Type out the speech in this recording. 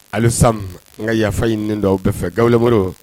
Alu samu n ka yafa ɲininlen do aw bɛɛ fɛ gawola